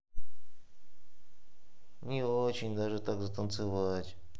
не очень даже так затанцевать